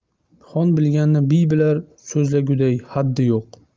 xon bilganni biy bilar so'zlaguday haddi yo'q